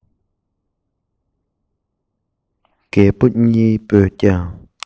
རྒད པོ གཉིས པོས ཀྱང